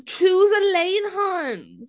Choose a lane, huns!